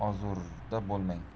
mendan ozurda bo'lmang